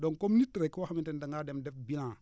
donc comme nit rek koo xamante ni da ngaa dem def bilan